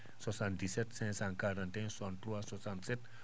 77 541 63 67